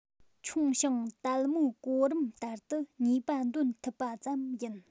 ཆུང ཞིང དལ མོའི གོམ རིམ ལྟར དུ ནུས པ འདོན ཐུབ པ ཙམ ཡིན